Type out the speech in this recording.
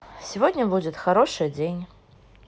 сегодня будет хороший день